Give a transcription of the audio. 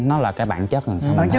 nó là bản chất